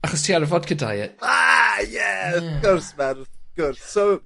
achos ti ar y fodca diet. A ie.. Ie. ...wrth gwrs man wrth gwrs. So